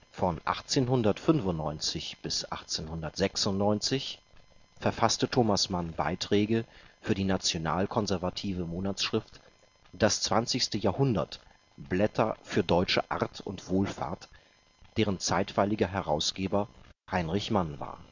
Von 1895 bis 1896 verfasste Thomas Mann Beiträge für die nationalkonservative Monatsschrift „ Das Zwanzigste Jahrhundert – Blätter für deutsche Art und Wohlfahrt “, deren zeitweiliger Herausgeber Heinrich Mann war